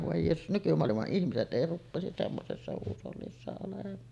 voi jeesus nykymaailman ihmiset ei rupeaisi semmoisessa huushollissa olemaan